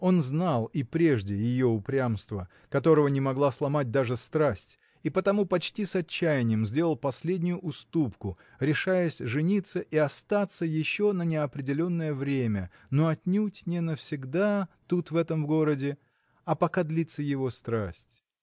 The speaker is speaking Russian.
Он знал и прежде ее упрямство, которого не могла сломать даже страсть, и потому почти с отчаянием сделал последнюю уступку, решаясь жениться и остаться еще на неопределенное время, но отнюдь не навсегда, тут, в этом городе, а пока длится его страсть.